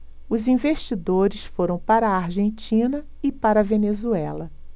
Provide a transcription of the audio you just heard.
os investidores foram para a argentina e para a venezuela